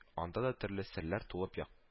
Анда да төрле серләр тулып як